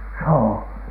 soho